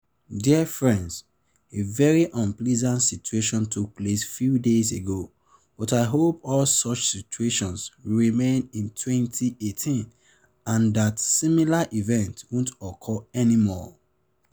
Dear friends, a very unpleasant situation took place few days ago, but I hope all such situations will remain in 2018 and that similar event won't occur any more.